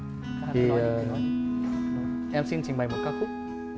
thì ờ em xin trình bày một ca khúc